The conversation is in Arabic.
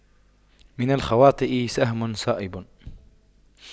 من الخواطئ سهم صائب